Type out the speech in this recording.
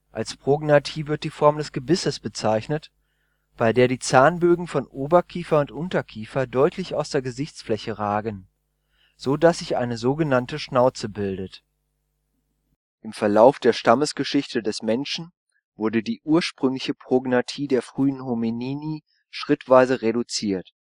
Als Prognathie wird die Form des Gebisses bezeichnet, bei der die Zahnbögen von Oberkiefer und Unterkiefer deutlich aus der Gesichtsfläche ragen, so dass sich eine so genannte Schnauze bildet. Im Verlauf der Stammesgeschichte des Menschen wurde die ursprüngliche Prognathie der frühen Hominini schrittweise reduziert